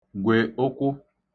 gwè ụkwụ